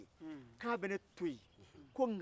u bɛ a fɔ cogo mina